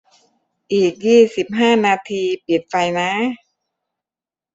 อีกยี่สิบห้านาทีปิดไฟนะ